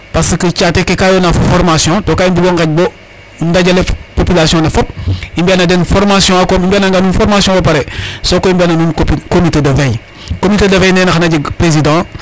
Parce que caate ka yoona formation to ka i mbug o nqaƴ bo ndajale population ne fop i mbi'an a den formation okom i mbi'ananga nuun formation bo pare so koy i mbi'an a nuun comité de veille.